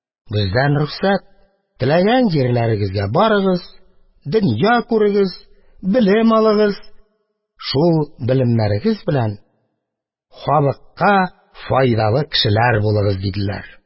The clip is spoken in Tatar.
Бездән рөхсәт, теләгән җирләрегезгә барыгыз, дөнья күрегез, белем алыгыз, шул белемнәрегез белән халыкка файдалы кешеләр булыгыз, – диделәр.